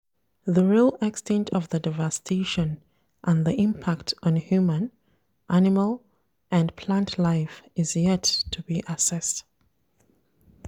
The real extent of the devastation and the impact on human, animal and plant life is yet to be assessed.